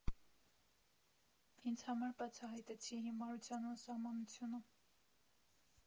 Ինձ համար բացահայտեցի հիմարության անսահմանությունը»։